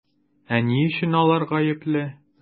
Ә ни өчен алар гаепле?